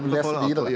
lese videre.